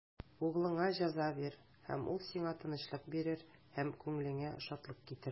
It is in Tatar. Углыңа җәза бир, һәм ул сиңа тынычлык бирер, һәм күңелеңә шатлык китерер.